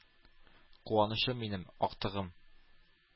Куанычым минем, актыгым!